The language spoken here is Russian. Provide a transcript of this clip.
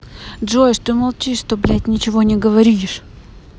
джой что молчишь то блять ничего не говоришь